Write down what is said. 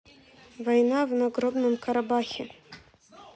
война в нагорном карабахе